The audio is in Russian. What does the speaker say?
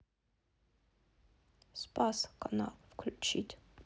спас канал включить